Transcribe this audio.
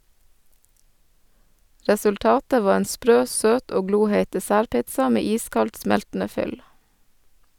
Resultatet var en sprø, søt og gloheit dessertpizza med iskaldt, smeltende fyll.